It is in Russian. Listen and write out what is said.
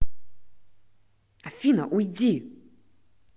афина уйди